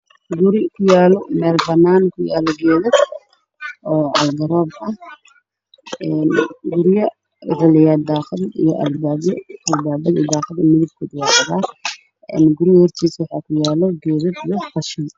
Halkaan waxaa ka muuqdo guri gaduud ah albaabadiisuna waa cagaar daaqadaha midbaa gaduud ah inta kale waa cagaar qayb ayaa guriga cadaan ka ah guriga hortiisa waxaa ku yaalo geedo yar yar